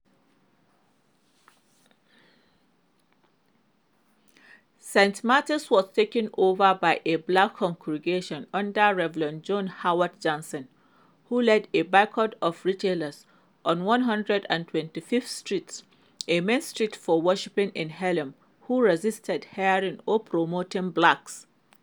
St. Martin's was taken over by a black congregation under the Rev. John Howard Johnson, who led a boycott of retailers on 125th Street, a main street for shopping in Harlem, who resisted hiring or promoting blacks.